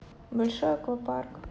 большой аквапарк